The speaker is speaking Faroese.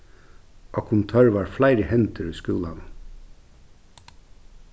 okkum tørvar fleiri hendur í skúlanum